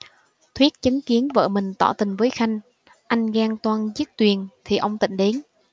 thuyết chứng kiến vợ mình tỏ tình với khanh anh ghen toan giết tuyền thì ông tịnh đến